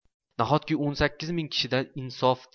nahotki o'n sakkiz ming kishidan insof